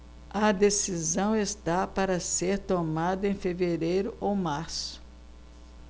a decisão está para ser tomada em fevereiro ou março